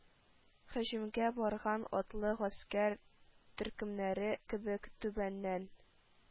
Һөҗүмгә барган атлы гаскәр төркемнәре кебек, түбәннән